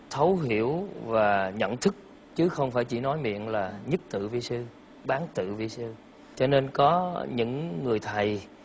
thấu hiểu và nhận thức chứ không phải chỉ nói miệng là nhất tự vi sư bán tự vi sư cho nên có những người thầy